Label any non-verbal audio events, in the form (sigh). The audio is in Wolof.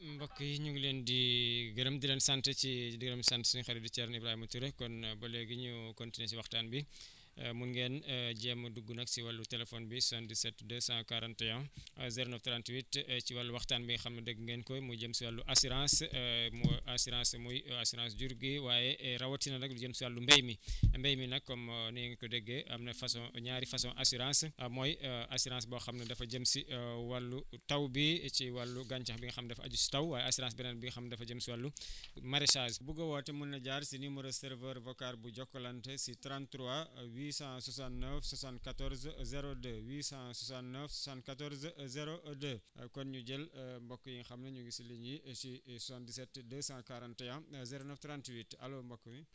mbokk yi ñu ngi leen di (hesitation) gërëm di leen sant ci (hesitation) di leen sant sunu xarit Thierno Ibrahima Touré kon ba léegi ñu continuer si waxtaan bi (breath) mun ngeen (hesitation) jéem a dugg nag si wàllu téléphone bi 77 241 (breath) 09 38 ci wàllu waxtaan bi nga xam ne dégg ngeen ko mu jëm si wàllu assurance (hesitation) (noise) muy assurance muy assurance jur gi waaye rawatina nag lu jëm si wàllu mbéy mi (breath) mbéy mi nag comme ni ngeen ko déggee am na façon ñaari façons assurances mooy (hesitation) assurance boo xam ne dafa jëm si (hesitation) wàllu taw bi ci wàllu gànax gi nga xam ne dafa aju si taw waaye assurance bi nag bi nga xam dafa jëm si wllu (breath) maraîchage bugg a woote mun nga jaar si uméro serveur vocal bu Jokalante si 33 869 74 02 869 74 02 kon ñu jël (hesitation) mbokk yi nga xam ne ñu ngi si ligne yi ci 77 241 09 38 allo mbokk mi